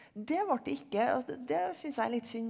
det ble det ikke det synes jeg er litt synd.